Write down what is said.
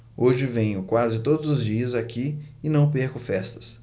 hoje venho quase todos os dias aqui e não perco festas